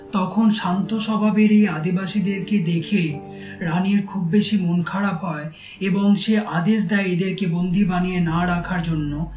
তখন শান্ত স্বভাবের এই আদিবাসীদের কে দেখে রানীর খুব বেশি মন খারাপ হয় এবং সে আদেশ দেয় এদেরকে বন্দি বানিয়ে না রাখার জন্য